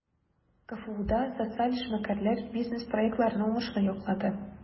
КФУда социаль эшмәкәрләр бизнес-проектларны уңышлы яклады.